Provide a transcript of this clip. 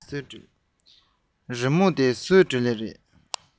རི མོ ཕ གི སུས བྲིས སོང